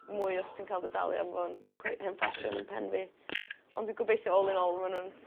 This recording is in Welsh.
mwy os ti'n ca'l dy dalu am fo'n cweit hen ffasiwn yn pen fi ond dwi gobeithio all in all ma' nw'n